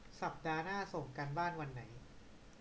สัปดาห์หน้าส่งการบ้านวันไหน